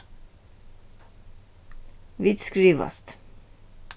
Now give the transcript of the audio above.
vit skrivast